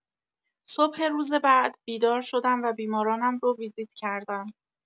صبح روز بعد بیدار شدم و بیمارانم رو ویزیت کردم.